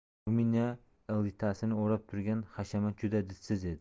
ruminiya elitasini o'rab turgan hashamat juda didsiz edi